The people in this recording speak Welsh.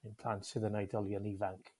'yn plant sydd yn oedolion ifanc.